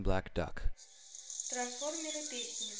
трансформеры песни